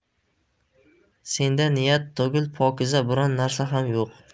senda niyat tugul pokiza biron narsa ham yo'q